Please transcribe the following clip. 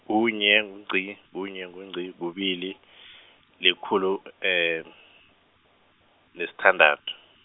kunye, ngungqi, kunye, ngungqi, kubili, likhulu, nesithandathu.